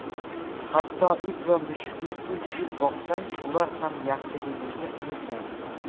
hatto it va mushukni uch yil boqsang ular ham yaxshiligingni unutmaydi